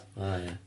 O ia.